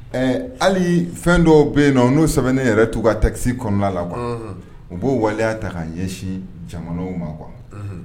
Ɛɛ hali fɛn dɔw bɛ yen n'o sɛbɛn ne yɛrɛ tun ka takisi kɔnɔna la kuwa u b'o waleya ta ka ɲɛsin jamanaw ma kuwa